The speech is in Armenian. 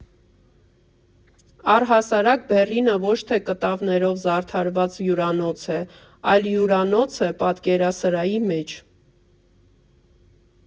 Առհասարակ, «Բեռլինը» ոչ թե կտավներով զարդարված հյուրանոց է, այլ հյուրանոց է՝ պատկերասրահի մեջ։